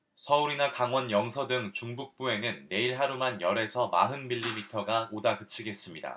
서울이나 강원 영서 등 중북부에는 내일 하루만 열 에서 마흔 밀리미터가 오다 그치겠습니다